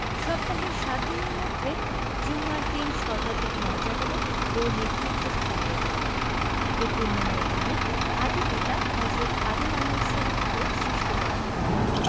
সপ্তাহের সাত দিনের মধ্যে জুমার দিন সর্বাধিক মর্যাদাবান ও নেতৃত্বস্থানীয় দিন এ পুণ্যময় দিনে আদি পিতা হজরত আদম আ কে সৃষ্টি করা হয়